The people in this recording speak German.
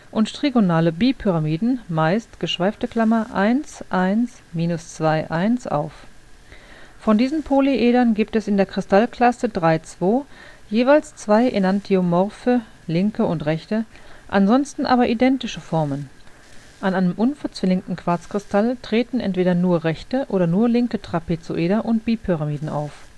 und trigonale Bipyramiden, meist {11 2 ¯ 1 {\ displaystyle 11 {\ bar {2}} 1}} auf. Von diesen Polyedern gibt es in der Kristallklasse 32 jeweils zwei enantiomorphe (linke und rechte), ansonsten aber identische Formen. An einem unverzwillingten Quarzkristall treten entweder nur rechte oder nur linke Trapezoeder und Bipyramiden auf